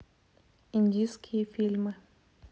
индийские фильмы